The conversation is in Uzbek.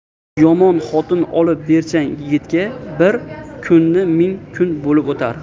yomon xotin olib bersang yigitga bir kuni ming kun bo'lib o'tar